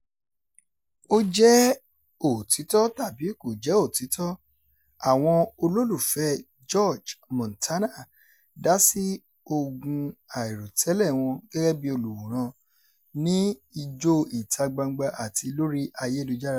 Ó jẹ́ òtítọ́ tàbí kò jẹ́ òtítọ́, àwọn olólùfẹ́ẹ George/Montano dá sí ogun àìròtẹ́lẹ̀ wọn gẹ́gẹ́ bí olùwòràn, ní Ijó ìta-gbangba àti lórí ayélujára.